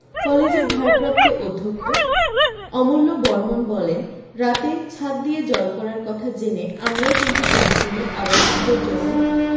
কলেজের ভারপ্রাপ্ত অধ্যক্ষ অমূল্য বরমন বলেন রাতে ছাদ দিয়ে জল পড়ার কথা জেনে আমরাই তিনটি ক্লাসরুমে আবাসিকদের জন্য